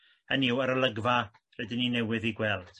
hynny yw yr olygfa rydyn ni newydd ei gweld.